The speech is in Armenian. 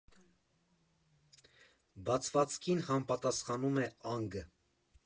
Բացվածքին համապատասխանում է անգ.